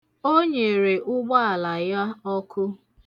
O nyere ụgbaala ya ọkụ.